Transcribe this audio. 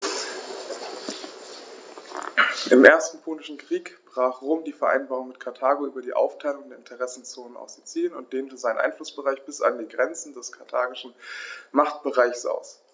Im Ersten Punischen Krieg brach Rom die Vereinbarung mit Karthago über die Aufteilung der Interessenzonen auf Sizilien und dehnte seinen Einflussbereich bis an die Grenze des karthagischen Machtbereichs aus.